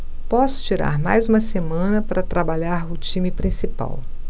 posso tirar mais uma semana para trabalhar o time principal